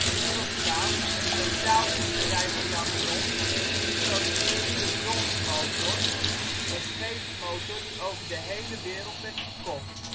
wereldfaam en de metaalgieterij van Jan Brons produceerde de Bronsmotor, een scheepsmotor die over de hele wereld werd verkocht